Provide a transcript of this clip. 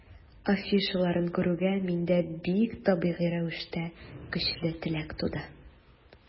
Афишаларын күрүгә, миндә бик табигый рәвештә көчле теләк туды.